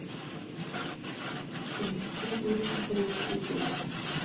пятьдесят лучших рок хитов